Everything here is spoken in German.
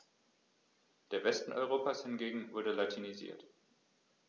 Der Westen Europas hingegen wurde latinisiert.